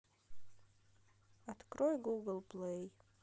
открой гугл плей